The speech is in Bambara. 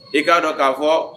I k'a dɔn k'a fɔ